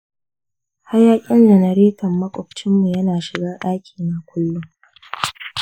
hayakin janareton makwabcinmu yana shiga ɗakina kullum.